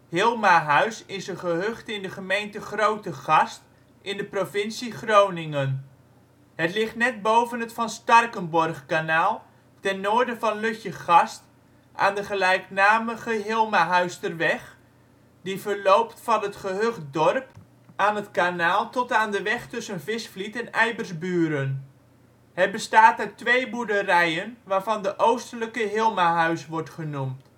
Hilmahuis is een gehucht in de gemeente Grootegast in de provincie Groningen. Het ligt net boven het van Starkenborghkanaal, ten noorden van Lutjegast aan de gelijknamige Hilmahuisterweg, die verloopt van het gehucht Dorp aan het kanaal tot aan de weg tussen Visvliet en Eibersburen. Het bestaat uit twee boerderijen, waarvan de oostelijke Hilmahuis wordt genoemd